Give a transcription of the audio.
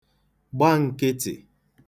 gba n̄kị̄tị̀